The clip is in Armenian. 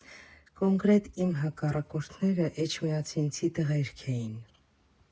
Կոնկրետ իմ հակառակորդները էջմիածինցի տղերք էին։